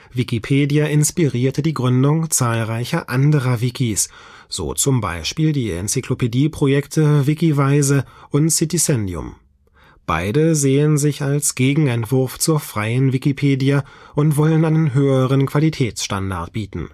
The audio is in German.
Wikipedia inspirierte die Gründung zahlreicher anderer Wikis, so zum Beispiel die Enzyklopädieprojekte Wikiweise und Citizendium. Beide sehen sich als Gegenentwurf zur freien Wikipedia und wollen einen höheren Qualitätsstandard bieten